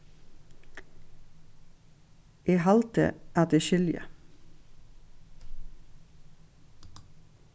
eg haldi at eg skilji